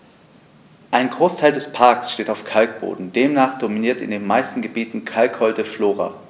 Ein Großteil des Parks steht auf Kalkboden, demnach dominiert in den meisten Gebieten kalkholde Flora.